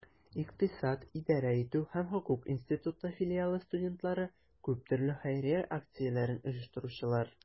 Икътисад, идарә итү һәм хокук институты филиалы студентлары - күп төрле хәйрия акцияләрен оештыручылар.